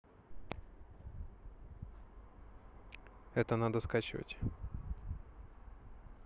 это надо скачивать